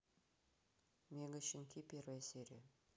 мега щенки первая серия